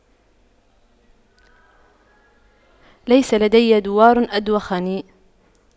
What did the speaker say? ليس لدي دوار أدوخني